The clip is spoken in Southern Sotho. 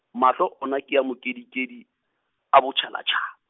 mahlo ona ke a mokedikedi, a botjhalatjhala.